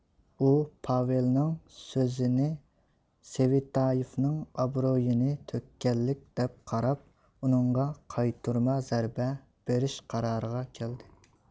ئۇ پاۋېلنىڭ سۆزىنى سۋېتايېفنىڭ ئابرۇيىنى تۆككەنلىك دەپ قاراپ ئۇنىڭغا قايتۇرما زەربە بېرىش قارارىغا كەلدى